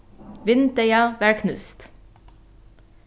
vindeygað var knúst